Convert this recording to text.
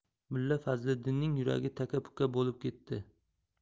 mulla fazliddinning yuragi taka puka bo'lib ketdi